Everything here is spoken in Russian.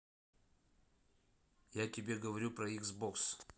я тебе говорю про икс бокс